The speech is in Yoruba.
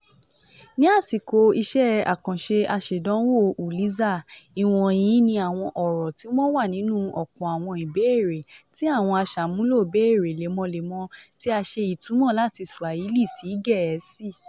Ní àsìkò iṣẹ́ àkànṣe aṣèdánwò Uliza, ìwọ̀nyìí ni àwọn ọ̀rọ̀ tí wọ́n wà nínú ọ̀pọ̀ àwọn ìbéèrè tí àwọn aṣàmúlò bèèrè lemọ́lemọ́ (tí a ṣe ìtumọ̀ láti Swahili sí Gẹ̀ẹ́sì).